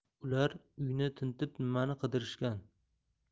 ular uyni tintib nimani qidirishgan